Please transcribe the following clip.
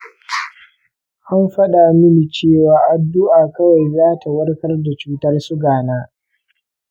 an faɗa mini cewa addu'a kawai za ta warkar da cutar suga na.